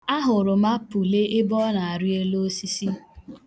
Ahụrụ m apule ebe ọ na-erị elu osisi.